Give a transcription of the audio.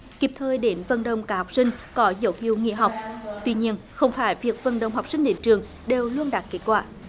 kịp thời đến vận động các học sinh có dấu hiệu nghỉ học tuy nhiên không phải việc vận động học sinh đến trường đều luôn đạt kết quả